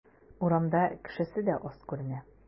Урамда кешесе дә аз күренә.